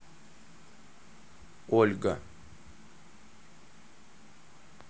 ольга